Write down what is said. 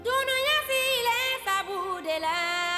Donya fili kabbugu de la